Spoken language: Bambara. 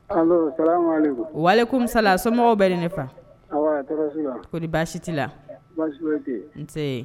Wali komisala somɔgɔw bɛ ne faa ko baasi tɛ la n